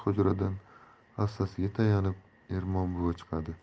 hujradan hassasiga tayanib ermon buva chiqadi